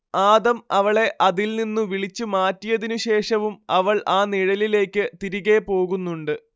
ആദം അവളെ അതിൽ നിന്നു വിളിച്ചു മാറ്റിയതിനു ശേഷവും അവൾ ആ നിഴലിലേയ്ക്ക് തിരികേ പോകുന്നുണ്ട്